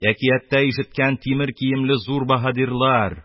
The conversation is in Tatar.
Әкияттә ишеткән тимер киемле зур баһадирлар...